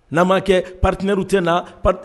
N'an ma kɛ partirw tɛ nate